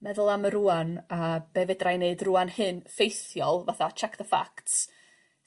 meddwl am y rŵan a be' fedrai neud rŵan sy'n ffeithiol fatha check the facts